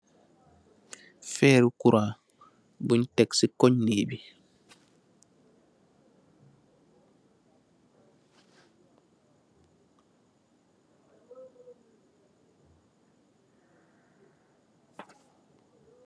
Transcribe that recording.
Feeru kura, buñg Tek si konyii mirr bi